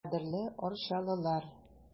Кадерле арчалылар!